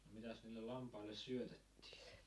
mitäs niille lampaille syötettiin